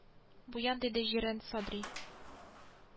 Ләкин рестораннарда йөрүдән туктады.